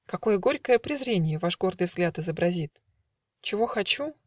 Какое горькое презренье Ваш гордый взгляд изобразит! Чего хочу?